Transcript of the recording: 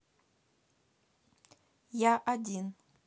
я один